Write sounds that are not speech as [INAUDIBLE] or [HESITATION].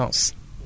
[HESITATION] [HESITATION]